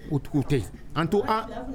O tugu tɛ an to